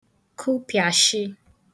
kụpị̀àshị